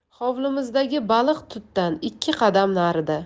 hovlimizdagi baliqtutdan ikki qadam narida